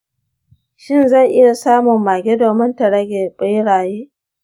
shin zan iya samun mage domin ta rage beraye?